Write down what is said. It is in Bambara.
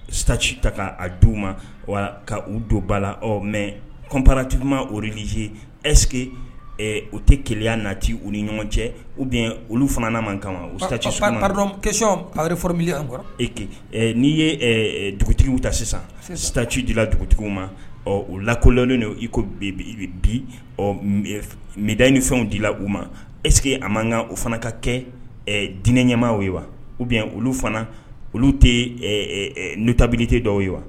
Sisanti ta'a d uu ma wa ka u don ba la mɛ kɔnprati ma o e ɛsse u tɛ keya nati u ni ɲɔgɔn cɛ u bɛ olu fana ma kama udɔcɔn ka f mi n'i ye dugutigiw ta sisan sisanci dilan dugutigiw ma u lakɔlɛnlen de i ko bi midani fɛnw di la u ma esekeke a man kan u fana ka kɛ dinɛ ɲamamaaw ye wa u olu fana olu tɛ n tabilite dɔw ye wa